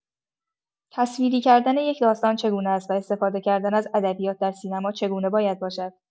تصویری کردن یک داستان چگونه است و استفاده کردن از ادبیات در سینما چگونه باید باشد؟